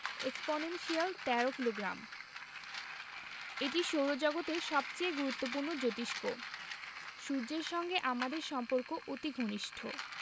exponential ১৩ kilogram এটি সৌরজগতের সবচেয়ে গুরুত্বপূর্ণ জোতিষ্ক সূর্যের সঙ্গে আমাদের সম্পর্ক অতি ঘনিষ্ট